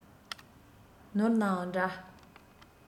ནོར ནའང འདྲ